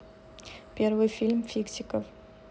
первый фильм фиксиков